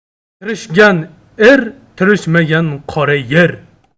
tirishgan er tirishmagan qora yer